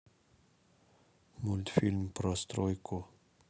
мультфильм про стройку